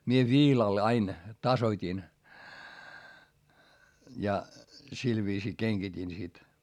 minä viilalla aina tasoitin ja sillä viisiin kengitin sitten